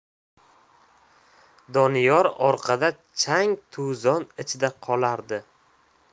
doniyor orqada chang to'zon ichida qolardi